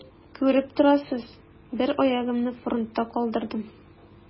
Күреп торасыз: бер аягымны фронтта калдырдым.